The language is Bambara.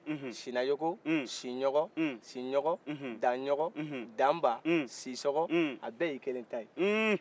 sinayoko siɲɔgɔ danɲɔkɔ danba sisoko a bɛɛ y'i kelen ta ye